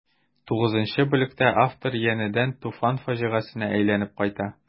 Тугызынчы бүлектә автор янәдән Туфан фаҗигасенә әйләнеп кайта.